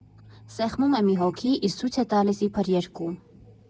Սեղմում է մի հոգի, իսկ ցույց է տալիս իբր երկու։